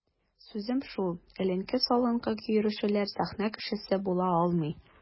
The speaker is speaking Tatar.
Сүзем шул: эленке-салынкы йөрүчеләр сәхнә кешесе була алмый.